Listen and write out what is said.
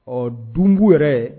Ɔ dun yɛrɛ